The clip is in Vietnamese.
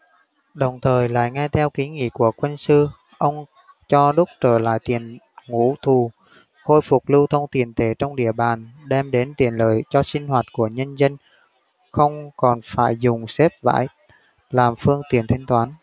đồng thời lại nghe theo kiến nghị của quân sư ông cho đúc trở lại tiền ngũ thù khôi phục lưu thông tiền tệ trong địa bàn đem đến tiện lợi cho sinh hoạt của nhân dân không còn phải dùng xếp vải làm phương tiện thanh toán